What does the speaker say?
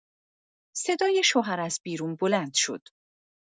صدای شوهر از بیرون بلند شد